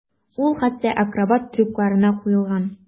Ул хәтта акробат трюкларына куелган.